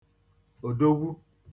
òdogwu